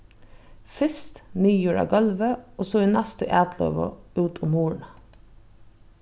fyrst niður á gólvið og so í næstu atløgu út um hurðina